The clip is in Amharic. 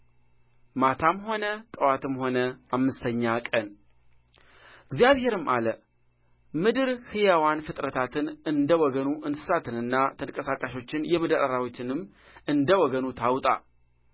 ማታም ሆነ ጥዋትም ሆነ አምስተኛ ቀን እግዚአብሔርም አለ ምድር ሕያዋን ፍጥረታትን እንደ ወገኑ እንስሳትንና ተንቀሳቃሾችን የምድር አራዊትንም እንደ ወገኑ ታውጣ